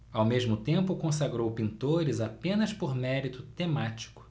ao mesmo tempo consagrou pintores apenas por mérito temático